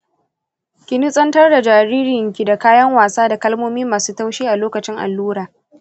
ki nutsantar da jaririnki da kayan wasa da kalmomi masu taushi a lokacin allura.